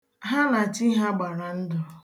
Ha na chi ha gbara ndụ.